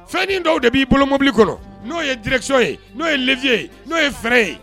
Fɛn nin dɔw de b'i bolo mɔbili kɔnɔ n'o ye direkisiyɔn ye n'o yeleviye ye n'o ye fɛrɛn ye.